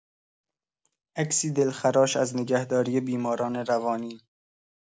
عکسی دلخراش از نگهداری بیماران روانی